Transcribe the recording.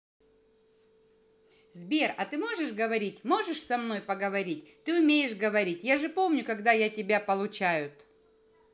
сбер а ты можешь говорить можешь со мной поговорить ты умеешь говорить я же помню когда я тебя получают